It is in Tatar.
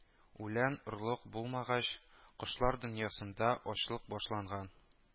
Үлән, орлык булмагач, кошлар дөньясында ачлык башланган